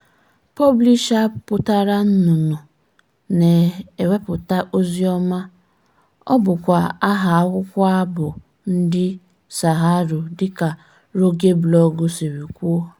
Bubisher pụtara nnụnụ na-ewepụta ozi ọma. Ọ bụkwa aha akwụkwọ abụ ndị Saharaui dịka Roge blọọgụ siri kwuo.